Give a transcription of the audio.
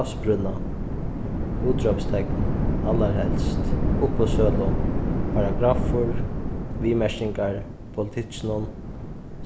havsbrúnna útrópstekn allarhelst uppboðssølu paragraffur viðmerkingar politikkinum